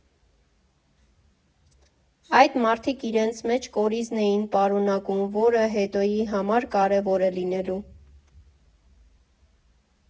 Այդ մարդիկ իրենց մեջ կորիզն էին պարունակում, որը հետոյի համար կարևոր է լինելու։